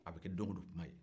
a bɛ kɛ don o don kuma ye